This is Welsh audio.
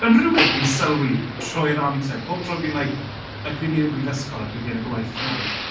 Mae'n rhywbeth fi'n sylwi trwy'r amser. Pob tro fi'n like like pryd o'n ni'n prifysgol a pryd fi yn y gwaith nawr...